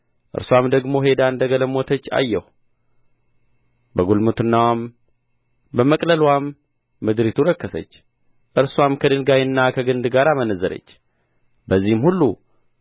እርስዋም ደግሞ ሄዳ እንደ ጋለሞተች አየሁ በግልሙትናዋም በመቅለልዋም ምድሪቱ ረከሰች እርስዋም ከድንጋይና ከግንድ ጋር አመነዘረች በዚህም ሁሉ